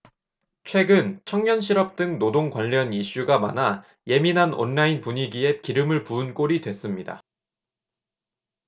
최근 청년 실업 등 노동 관련 이슈가 많아 예민한 온라인 분위기에 기름을 부은 꼴이 됐습니다